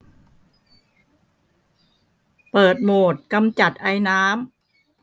เปิดโหมดกำจัดไอน้ำ